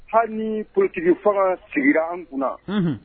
Hali politigi fo sigira an kunna